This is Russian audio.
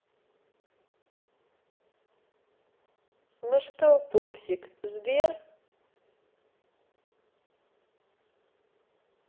ну что пупсик сбер